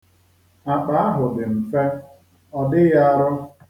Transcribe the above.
Akpa ahụ dị mfe, ọ dịghị arọ.